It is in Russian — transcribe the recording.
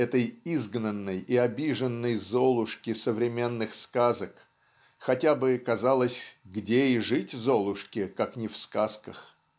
этой изгнанной и обиженной Золушки современных сказок (хотя бы казалось где и жить Золушке как не в сказках?. ),